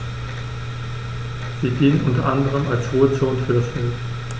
Sie dienen unter anderem als Ruhezonen für das Wild.